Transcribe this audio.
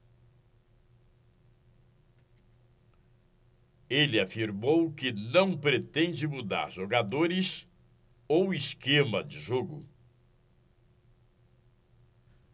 ele afirmou que não pretende mudar jogadores ou esquema de jogo